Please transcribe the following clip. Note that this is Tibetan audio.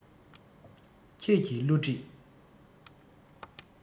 ཁྱེད ཀྱི བསླུ བྲིད